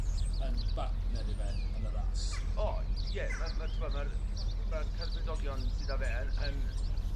yn bartner i fe yn y ras. O ie ma' ma' t'mod ma'r ma'r cadfridogion sy 'da fe yn yn